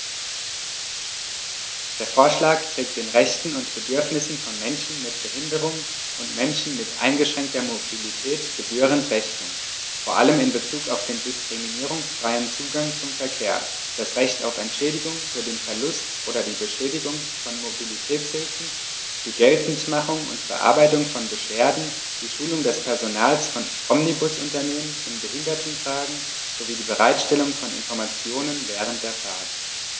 Der Vorschlag trägt den Rechten und Bedürfnissen von Menschen mit Behinderung und Menschen mit eingeschränkter Mobilität gebührend Rechnung, vor allem in Bezug auf den diskriminierungsfreien Zugang zum Verkehr, das Recht auf Entschädigung für den Verlust oder die Beschädigung von Mobilitätshilfen, die Geltendmachung und Bearbeitung von Beschwerden, die Schulung des Personals von Omnibusunternehmen in Behindertenfragen sowie die Bereitstellung von Informationen während der Fahrt.